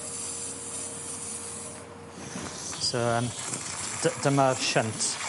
Beautiful. So yym dy- dyma'r shunt.